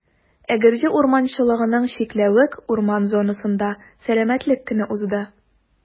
Әгерҗе урманчылыгының «Чикләвек» урман зонасында Сәламәтлек көне узды.